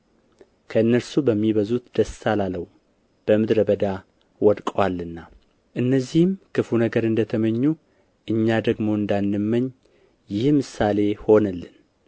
ከእነርሱ በሚበዙት ደስ አላለውም በምድረ በዳ ወድቀዋልና እነዚህም ክፉ ነገር እንደ ተመኙ እኛ ደግሞ እንዳንመኝ ይህ ምሳሌ ሆነልን